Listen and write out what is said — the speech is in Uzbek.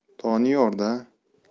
doniyor da